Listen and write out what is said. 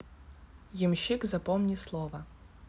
ямщик запомни слово